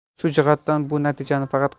shu jihatdan bu natijani faqat